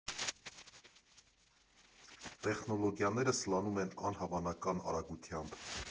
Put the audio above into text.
Տեխնոլոգիաները սլանում են անհավանական արագությամբ։